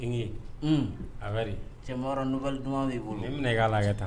A cɛman nubali duman b' bolo n bɛna k' la ka taa